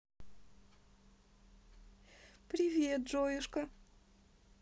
привет джоюшка